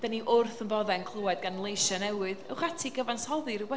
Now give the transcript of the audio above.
Dan ni wrth ein boddau yn clywed gan leisiau newydd. Ewch ati i gyfansoddi rywbeth.